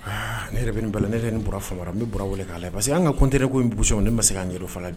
Aa ne yɛrɛ bɛ nin ba ne yɛrɛ nin faama n bɛ b bɔra wele k'a la parce que an ka ko n tɛ ne ko in busɔn ne ma se' n yɛrɛ faga